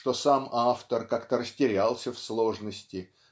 что сам автор как-то растерялся в сложности